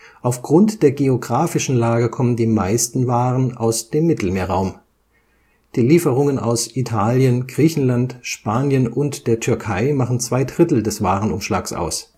Aufgrund der geografischen Lage kommen die meisten Waren aus dem Mittelmeerraum. Die Lieferungen aus Italien, Griechenland, Spanien und der Türkei machen zwei Drittel des Warenumschlags aus